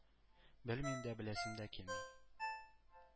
— белмим дә, беләсем дә килми.